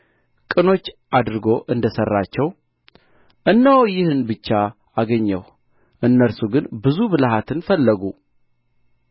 ቅኖች አድርጎ እንደ ሠራቸው እነሆ ይህን ብቻ አገኘሁ እነርሱ ግን ብዙ ብልሃትን ፈለጉ